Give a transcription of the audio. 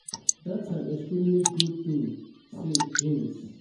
"That's an extremely good thing," said Jaynes.